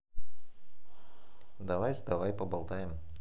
давай с давай поболтаем